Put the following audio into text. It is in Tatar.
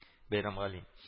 Бәйрәмгали